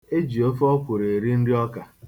Eji ofe ọkwụrụ eri nri ọka.